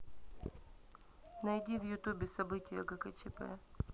найди в ютубе события гкчп